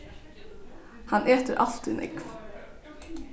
hann etur altíð nógv